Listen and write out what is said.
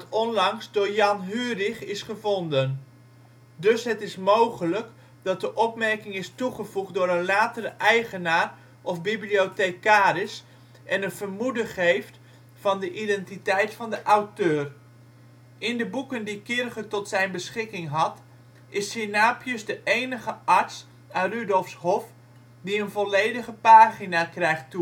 onlangs door Jan Hurich is gevonden, dus het is mogelijk dat de opmerking is toegevoegd door een latere eigenaar of bibliothecaris en een vermoeden geeft van de identiteit van de auteur. In de boeken die Kircher tot zijn beschikking had, is Sinapius de enige arts aan Rudolfs hof die een volledige pagina krijgt toebedeeld